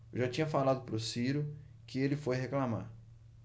eu já tinha falado pro ciro que ele foi reclamar